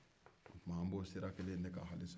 dɔnki an b'o sira kelen in de kan hali sa